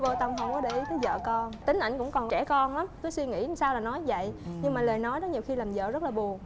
vô tâm không để có để ý tới vợ con tính ảnh cũng còn trẻ con lắm cứ suy nghĩ sao là nói vậy nhưng mà lời nói đó nhiều khi làm vợ rất là buồn